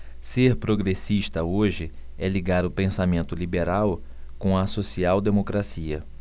ser progressista hoje é ligar o pensamento liberal com a social democracia